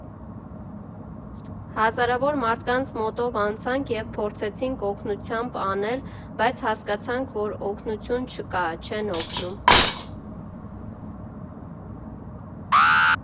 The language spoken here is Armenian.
Հազարավոր մարդկանց մոտով անցանք և փորձեցինք օգնությամբ անել, բայց հասկացանք, որ օգնություն չկա, չեն օգնում։